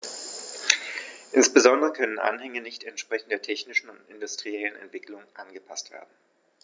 Insbesondere können Anhänge nicht entsprechend der technischen und industriellen Entwicklung angepaßt werden.